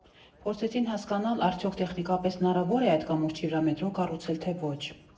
Փորձեցին հասկանալ՝ արդյոք տեխնիկապես հնարավո՞ր է այդ կամուրջի վրա մետրո կառուցել, թե ոչ։